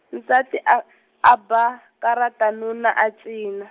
nsati a , a ba karata, nuna a cina.